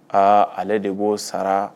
Aa ale de b'o sara